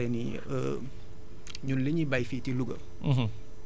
parce que bu ñu xoolee ni ñun li ñuy béy fii ci Louga